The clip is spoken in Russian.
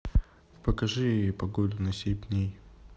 покажи погоду на семь дней